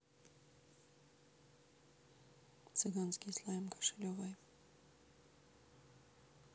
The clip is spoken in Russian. цыганский слайм кошелевой